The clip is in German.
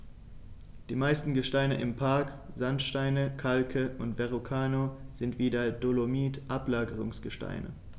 Die meisten Gesteine im Park – Sandsteine, Kalke und Verrucano – sind wie der Dolomit Ablagerungsgesteine.